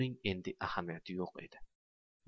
buning endi ahamiyati yo'q edi